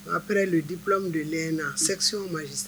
Après le diplôme de l'ENA section magistrat